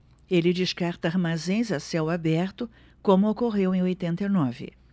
ele descarta armazéns a céu aberto como ocorreu em oitenta e nove